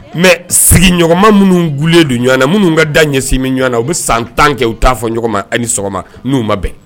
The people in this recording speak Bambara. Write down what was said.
Mɛ sigiɲɔgɔnma minnu glen don ɲɔgɔn na minnu ka da ɲɛsin min ɲɔgɔn na u bɛ san tan kɛ u t'a fɔ ma ani ni sɔgɔma n'u ma bɛn